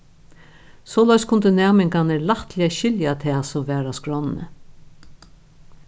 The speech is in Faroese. soleiðis kundu næmingarnir lættliga skilja tað sum var á skránni